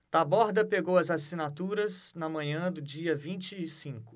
taborda pegou as assinaturas na manhã do dia vinte e cinco